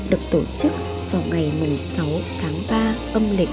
được tổ chức vào ngày tháng âm lịch